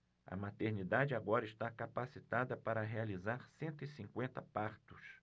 a maternidade agora está capacitada para realizar cento e cinquenta partos